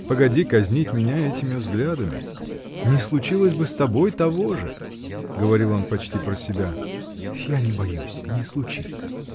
— Погоди казнить меня этими взглядами: не случилось бы с тобой того же! — говорил он почти про себя. — Я не боюсь, не случится!